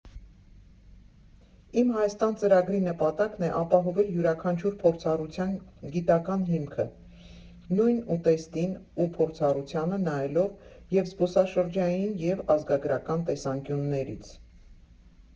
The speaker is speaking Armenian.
«Իմ Հայաստան» ծրագրի նպատակն է ապահովել յուրաքանչյուր փորձառության գիտական հիմքը՝ նույն ուտեստին ու փորձառությանը նայելով և զբոսաշրջային և ազգագրական տեսանկյուններից։